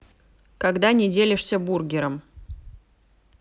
когда не делишься бургером